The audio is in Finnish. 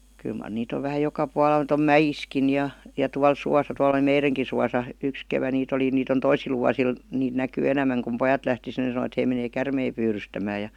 kyllä mar niitä on vähän joka puolella niitä on mäissäkin ja ja tuolla suossa tuolla oli meidänkin suossa yksi kevät niitä oli niitä on toisilla vuosilla niitä näkyy enemmän kun pojat lähti sinne sanoivat he menee käärmeitä pyydystämään ja